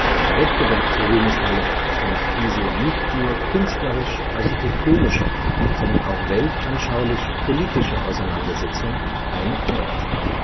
Beim Wettbewerb zur Ruhmeshalle fand diese nicht nur künstlerisch-architektonische, sondern auch weltanschaulich-politische Auseinandersetzung eine Neuauflage